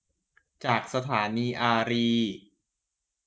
จากสถานีอารีย์